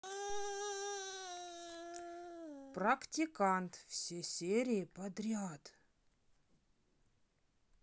практикант все серии подряд